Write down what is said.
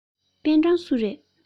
པེན ཀྲང སུ རེད